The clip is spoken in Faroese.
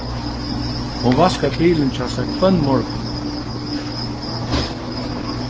hon vaskar bilin hjá sær hvønn morgun